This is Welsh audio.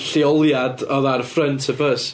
Lleoliad oedd ar ffrynt y bws.